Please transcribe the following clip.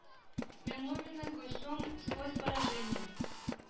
Миннуллина гульсум сквозь поражения